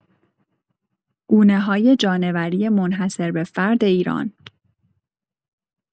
گونه‌های جانوری منحصر به‌فرد ایران